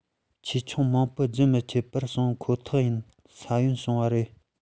ཆེ ཆུང མང པོ རྒྱུན མི ཆད པར འབྱུང ཁོ ཐག ཡིན ས ཡོམ བྱུང བ རེད